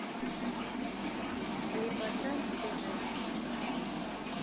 лепота тв